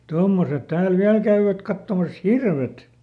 tuommoiset täällä vielä käyvät katsomassa hirvet